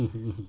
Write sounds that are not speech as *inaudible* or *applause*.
*hesitation* *hesitation*